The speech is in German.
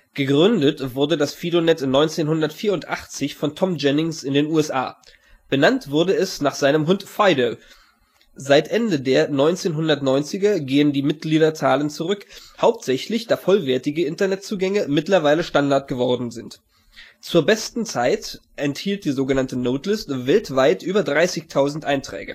Gegründet wurde das FidoNet 1984 von Tom Jennings in den USA. Benannt wurde es nach seinem Hund „ Fido”. Seit Ende der 1990er gehen die Mitgliederzahlen zurück, hauptsächlich, da vollwertige Internetzugänge mittlerweile Standard geworden sind. Zur besten Zeit enthielt die sog. Nodelist weltweit über 30.000 Einträge